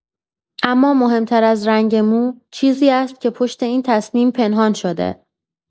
اما مهم‌تر از رنگ مو، چیزی است که پشت این تصمیم پنهان شده.